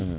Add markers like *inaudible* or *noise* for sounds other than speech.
*hesitation* *hesitation*